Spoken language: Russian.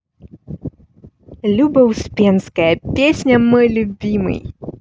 люба успенская песня любимый